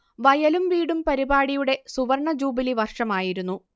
വയലും വീടും പരിപാടിയുടെ സുവർണ്ണ ജൂബിലി വർഷമായിരുന്നു